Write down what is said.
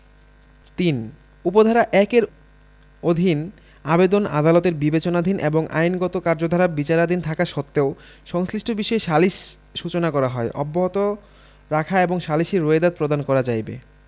৩ উপ ধারা ১ এর অধীন আবেদন আদালতের বিবেচনাধীন এবং আইনগত কার্যধারা বিচারাধীন থাকা সত্ত্বেও সংশ্লিষ্ট বিষয়ে সালিস সূচনা করা অব্যাহত রাখা এবং সালিসী রোয়েদাদ প্রদান করা যাইবে